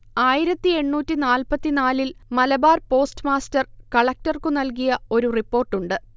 ആയിരത്തി എണ്ണൂറ്റി നാല്പത്തി നാലിൽ മലബാർ പോസ്റ്റ്മാസ്റ്റർ കളക്ടർക്കു നൽകിയ ഒരു റിപ്പോർട്ടുണ്ട്